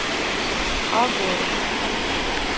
а город